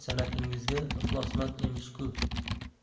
sanatingizga ixlosmand emish ku